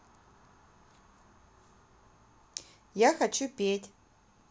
я хочу петь